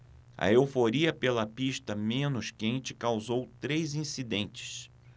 a euforia pela pista menos quente causou três incidentes